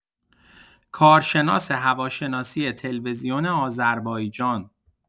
کارشناس هواشناسی تلوزیون آذربایجان